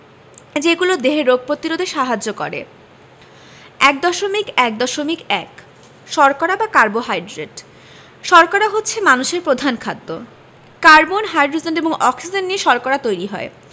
যেগুলো দেহের রোগ প্রতিরোধে সাহায্য করে ১.১.১ শর্করা বা কার্বোহাইড্রেট শর্করা হচ্ছে মানুষের প্রধান খাদ্য কার্বন হাইড্রোজেন এবং অক্সিজেন নিয়ে শর্করা তৈরি হয়